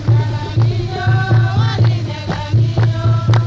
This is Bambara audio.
sanunɛgɛnin yo warinɛgɛnin yo